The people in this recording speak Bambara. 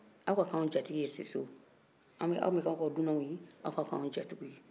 aw ka kɛ an jatigiw ye sisew an bɛ kɛ aw ka dunanw ye aw ka kɛ anw jatigiw ye